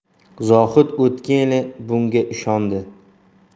zohid o'tgan yili bunga ishondi